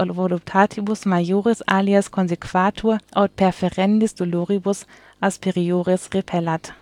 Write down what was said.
voluptatibus maiores alias consequatur aut perferendis doloribus asperiores repellat